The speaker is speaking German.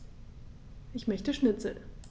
Ich möchte Schnitzel.